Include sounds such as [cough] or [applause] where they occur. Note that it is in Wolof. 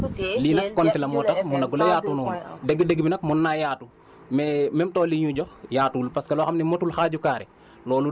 xam ng booy compter moom ci benn ngay [noise] commencer lii nag compter la moo tax munagul a yaatu noonu [noise] dégg dégg bi nag mën naa yaatu mais même tool yiñ ñu jox yaatuwul